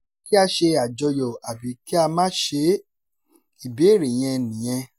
Kí a ṣe àjọyọ̀ àbí kí á máà ṣe é, ìbéèrè yen ni ìyẹn.